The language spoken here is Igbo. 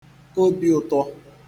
obi ụtọ